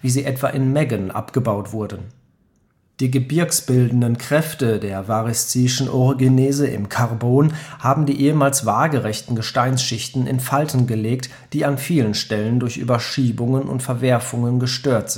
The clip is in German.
sie etwa in Meggen abgebaut wurden. Die gebirgsbildenden Kräfte der variszischen Orogenese im Karbon haben die ehemals waagrechten Gesteinsschichten in Falten gelegt, die an vielen Stellen durch Überschiebungen und Verwerfungen gestört